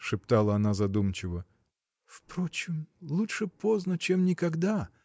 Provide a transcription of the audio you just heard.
— шептала она задумчиво, — впрочем, лучше поздно, чем никогда!